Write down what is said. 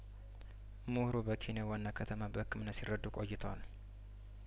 ምሁሩ በኬንያዋና ከተማ በህክምና ሲረዱ ቆይተዋል